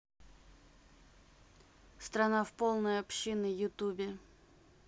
страна в полной общины youtube